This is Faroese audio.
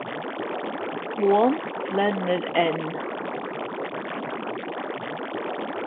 hon flennir enn